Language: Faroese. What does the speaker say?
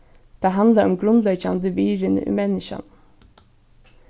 tað handlar um grundleggjandi virðini í menniskjanum